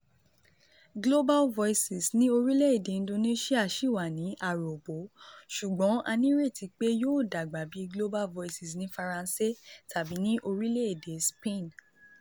Global Voices ní orílẹ̀-èdè Indonesia sì wà ní aròbó ṣùgbọ́n a ní ìrètí pé yóò dàgbà bíi Global Voices ní Faransé tàbí ní orílẹ̀ èdè Spain.